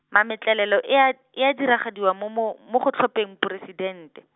mametlelelo e ya, e ya diragadiwa mo mo, mo go tlhopheng Poresidente.